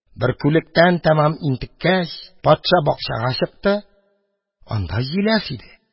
Бөркүлектән тәмам интеккәч, патша бакчага чыкты, анда җиләс иде.